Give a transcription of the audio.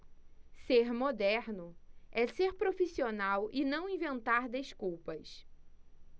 ser moderno é ser profissional e não inventar desculpas